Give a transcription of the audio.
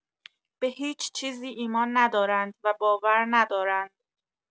به هیچ چیزی ایمان ندارند و باور ندارند.